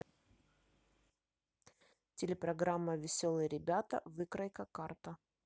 телепрограмма веселые ребята выкройка карта